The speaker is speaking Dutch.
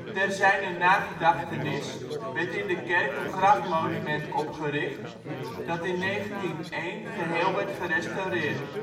Ter zijner nagedachtenis werd in de kerk een grafmonument opgericht, dat in 1901 geheel werd gerestaureerd